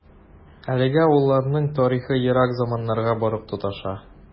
Әлеге авылларның тарихы ерак заманнарга барып тоташа.